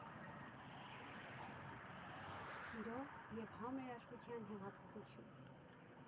Սիրո և Համերաշխության Հեղափոխություն։